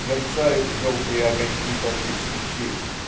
Мерцают желтые огоньки тонких свечей.